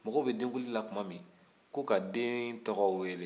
mɔgɔw bɛ denkundi la tuma min ko ka den tɔgɔ weele